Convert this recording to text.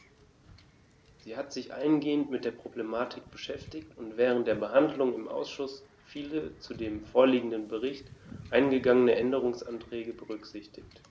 Sie hat sich eingehend mit der Problematik beschäftigt und während der Behandlung im Ausschuss viele zu dem vorliegenden Bericht eingegangene Änderungsanträge berücksichtigt.